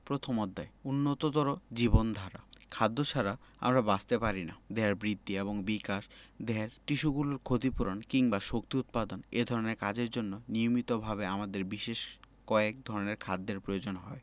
প্রথম অধ্যায় উন্নততর জীবনধারা খাদ্য ছাড়া আমরা বাঁচতে পারি না দেহের বৃদ্ধি এবং বিকাশ দেহের টিস্যুগুলোর ক্ষতি পূরণ কিংবা শক্তি উৎপাদন এ ধরনের কাজের জন্য নিয়মিতভাবে আমাদের বিশেষ কয়েক ধরনের খাদ্যের প্রয়োজন হয়